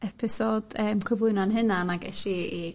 episod yym cyflwyno'n hunan ag esh i i...